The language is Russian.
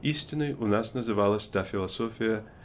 Истинной у нас называлась та философия